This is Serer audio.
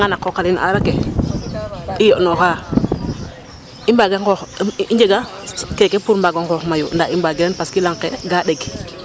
Ndiiki o ɗeetangan na qooq ale aar ake i yo'nooxaa i mbaagee nooox i njega keke pour mbaag o nqoox mayu ndaa i mbaagiran parce que lang ke ga ɗeg